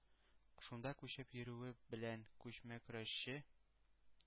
Шунда күчеп йөрүе белән «күчмә көрәшче»